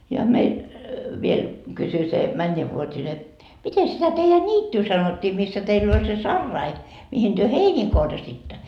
ja meillä vielä kysyi se mennävuotinen miten sitä teidän niittyä sanottiin missä teillä oli se sarai mihin te heiniä korjasitte